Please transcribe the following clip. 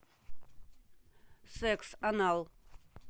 секс анал